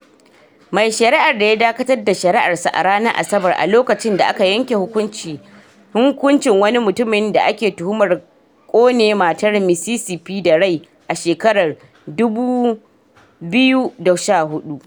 Mai Shari'ar ya dakatar da shari'arsa a ranar Asabar a lokacin da aka yanke hukuncin wani mutumin da ake tuhumar kone matar Mississippi da rai a shekarar 2014.